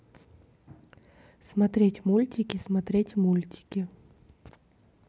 смотреть мультики смотреть мультики